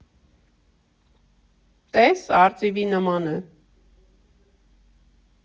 Տե՛ս, արծիվի նման է։